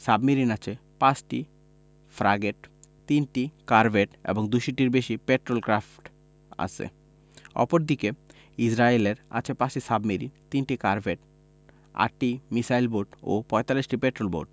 submarine আছে ৫টি frigate ৩টি করভেট এবং ২০০ টির বেশি পেট্রল ক্র্যাফট আছে অপরদিকে ইসরায়েলের আছে ৫টি সাবমেরিন ৩টি কারভেট ৮টি মিসাইল বোট ও ৪৫টি পেট্রল বোট